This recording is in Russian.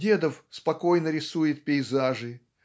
Дедов спокойно рисует пейзажи